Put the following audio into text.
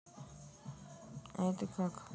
а это как